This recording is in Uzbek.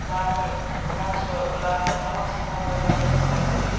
imkoniyatlarini o'rganish va ularni jahon standartlariga tenglashtirish